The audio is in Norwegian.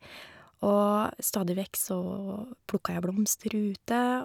Og stadig vekk så plukka jeg blomster ute.